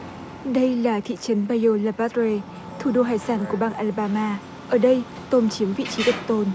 đây là thị trấn bây ô la bát rê thủ đô hải sản của bang a la ba ma ở đây tôm chiếm vị trí độc tôn